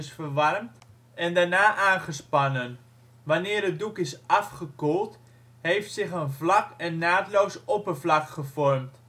verwarmd en daarna aangespannen, wanneer het doek is afgekoeld, heeft zich een vlak en naadloos oppervlak gevormd